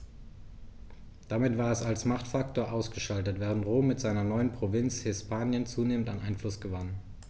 Damit war es als Machtfaktor ausgeschaltet, während Rom mit seiner neuen Provinz Hispanien zunehmend an Einfluss gewann.